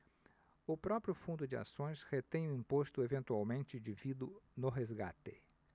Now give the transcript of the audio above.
o próprio fundo de ações retém o imposto eventualmente devido no resgate